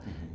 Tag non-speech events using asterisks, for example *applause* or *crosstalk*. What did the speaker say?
*hesitation* *hesitation*